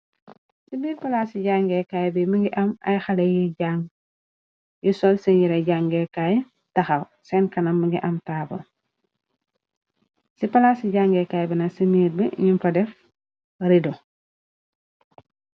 Ci biir palaasi jàngekaay bi mingi am ay xale yi jàng, yu sol sen yeré jàngekaay taxaw. Sen kanam mingi am taabul. Ci palaasi jàngekaay bi nak, ci miir bi nufa def rido.